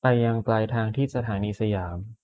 ไปยังปลายทางที่สถานีสยาม